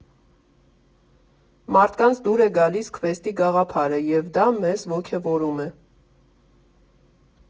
Մարդկանց դուր է գալիս քվեսթի գաղափարը, և դա մեզ ոգևորում է։